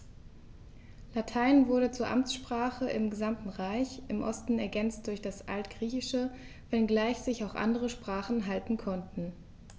Latein wurde zur Amtssprache im gesamten Reich (im Osten ergänzt durch das Altgriechische), wenngleich sich auch andere Sprachen halten konnten.